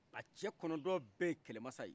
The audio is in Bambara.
a cɛ kɔnɔntɔn bɛ ye kɛlɛmasa ye